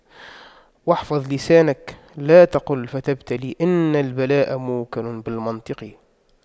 واحفظ لسانك لا تقول فتبتلى إن البلاء موكل بالمنطق